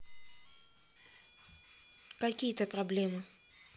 какие то проблемы